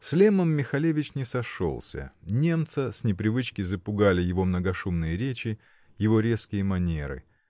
С Леммом Михалевич не сошелся: немца, с непривычки, запугали его многошумные речи, его резкие манеры.